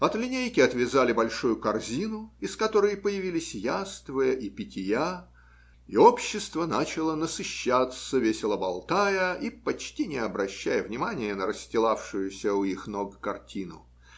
От линейки отвязали большую корзину, из которой появились яства и пития, и общество начало насыщаться, весело болтая и почти не обращая внимания на расстилавшуюся у их ног картину.